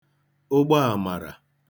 ụgba àmàrà